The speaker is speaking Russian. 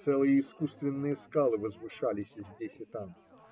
целые искусственные скалы возвышались здесь и там.